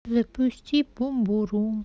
запусти бумбурум